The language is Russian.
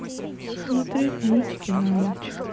смотреть мультики на ночь